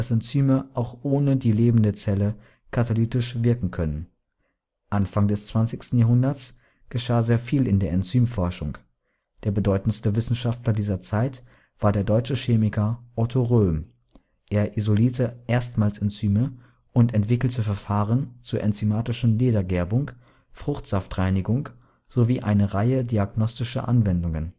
Enzyme auch ohne die lebende Zelle katalytisch wirken können. Anfang des 20. Jahrhunderts geschah sehr viel in der Enzymforschung. Der bedeutendste Wissenschaftler dieser Zeit war der deutsche Chemiker Otto Röhm. Er isolierte erstmals Enzyme und entwickelte Verfahren zur enzymatischen Ledergerbung, Fruchtsaftreinigung sowie eine Reihe diagnostischer Anwendungen